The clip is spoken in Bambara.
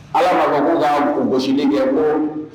Ala' fa ko' ko gosisiden kɛ ko